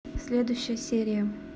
следующая серия